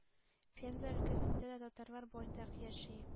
Пенза өлкәсендә дә татарлар байтак яши.